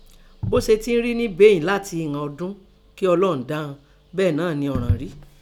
Bó o ṣè ti ń rí i níbeín ín látin ìnọn ọdún kí Ọlọ́un dá ọn, bẹ́ẹ̀ náà nẹ ọ̀rán rí.